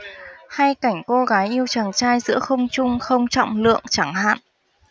hay cảnh cô gái yêu chàng trai giữa không trung không trọng lượng chẳng hạn